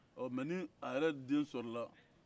ɔ mɛ ni a yɛrɛ den sɔrɔ la